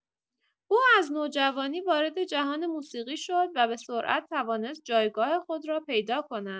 او از نوجوانی وارد جهان موسیقی شد و به‌سرعت توانست جایگاه خود را پیدا کند.